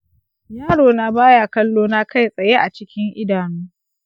yarona ba ya kallona kai tsaye a cikin idanu